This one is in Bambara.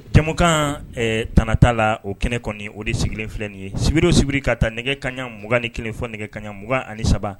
Cɛman kan tta la o kɛnɛ kɔni o de sigilen filɛ ye sibiri sibiri ka taa nɛgɛ kaɲa mugan ni kelen- nɛgɛ kaɲaugan ani saba